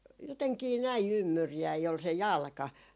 jotenkin näin ymmyriäinen oli se jalka